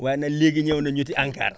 waaye nag léegi ñëw nañu ci ANCAR